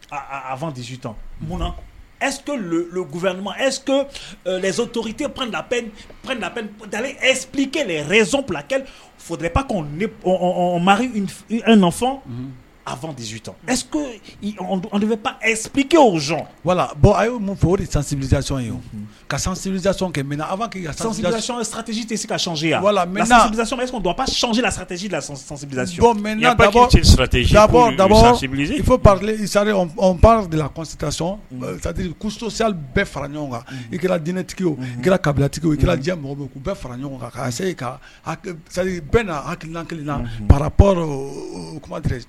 Aaa tɛ su munna eto fɛ eto zon tote ep son fo ni fɔ a tɛz eke o wala bɔn a ye mun fɔ o de sansaɔn ye ka sansa min na a' san satisi tɛse se kasa don a sonsi sasi dari delasita sarisɔ sa bɛɛ fara ɲɔgɔn kan i kɛra diinɛtigi o kɛra kabilatigi i kɛra jɛ maaw bɛ'u bɛɛ fara ɲɔgɔn kan ka se ka na hakilan kelen la pap kumad